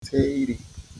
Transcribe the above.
te iri